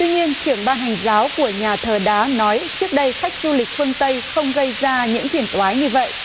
tuy nhiên trưởng ban hành giáo của nhà thờ đá nói trước đây khách du lịch phương tây không gây ra những phiền toái như vậy